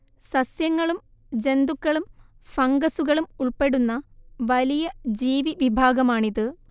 സസ്യങ്ങളും ജന്തുക്കളും ഫംഗസ്സുകളും ഉൾപ്പെടുന്ന വലിയ ജീവിവിഭാഗമാണിത്